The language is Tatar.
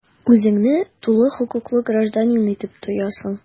Үзеңне тулы хокуклы гражданин итеп тоясың.